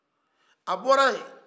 a bɔra ye